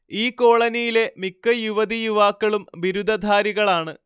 ഈ കോളനിയിലെ മിക്ക യുവതിയുവാക്കളും ബിരുദധാരികളാണ്